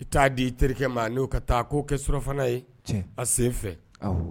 I t'a di i terikɛ ma n'o ka taa'o kɛ suɔfana ye a sen fɛ